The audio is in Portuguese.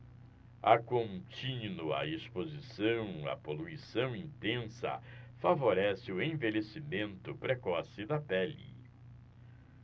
a contínua exposição à poluição intensa favorece o envelhecimento precoce da pele